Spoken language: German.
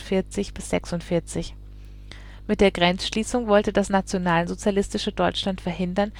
Grenzschliessung wollte das nationalsozialistische Deutschland verhindern